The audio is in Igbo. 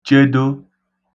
chedo